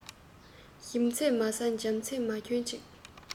ཞིམ ཚད མ ཟ འཇམ ཚད མ གྱོན ཅིག